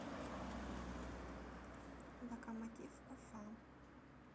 локомотив уфа